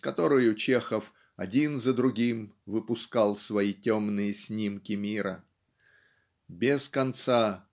с которою Чехов один за другим выпускал свои темные снимки мира. Без конца